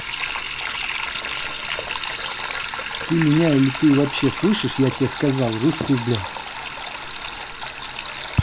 ты меня или ты вообще слышишь я тебе сказал русскую блядь